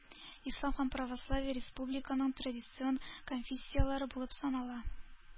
Ислам һәм православие республиканың традицион конфессияләре булып санала.